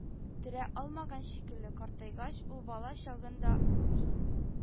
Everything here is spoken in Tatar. Терә алмаган шикелле, картайгач, ул бала чагында күз